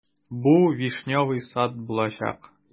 Бу "Вишневый сад" булачак.